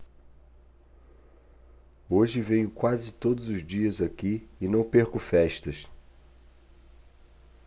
hoje venho quase todos os dias aqui e não perco festas